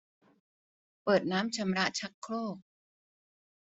เปิดน้ำชำระชักโครก